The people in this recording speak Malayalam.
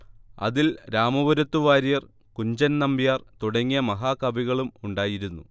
അതിൽ രാമപുരത്തു വാര്യർ കുഞ്ചൻ നമ്പ്യാർ തുടങ്ങിയ മഹാകവികളും ഉണ്ടായിരുന്നു